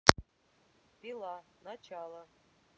пила начало